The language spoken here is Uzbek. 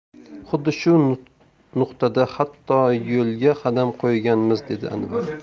xuddi shu nuqtada xato yo'lga qadam qo'yganmiz dedi anvar